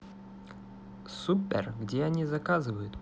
super где они заказывают